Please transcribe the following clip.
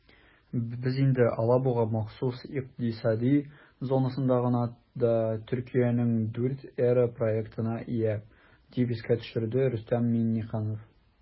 "без инде алабуга махсус икътисади зонасында гына да төркиянең 4 эре проектына ия", - дип искә төшерде рөстәм миңнеханов.